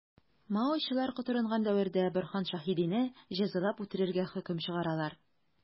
Маочылар котырынган дәвердә Борһан Шәһидине җәзалап үтерергә хөкем чыгаралар.